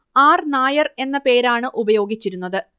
R Nair എന്ന പേരാണ് ഉപയോഗിച്ചിരുന്നത്